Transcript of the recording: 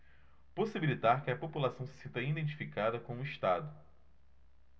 possibilitar que a população se sinta identificada com o estado